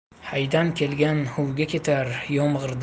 haydan kelgan huvga ketar